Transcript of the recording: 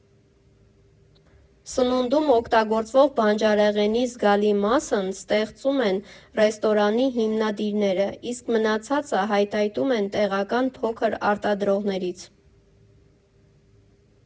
Սնունդում օգտագործվող բանջարեղենի զգալի մասն աճեցնում են ռեստորանի հիմնադիրները, իսկ մնացածը հայթայթում են տեղական փոքր արտադրողներից։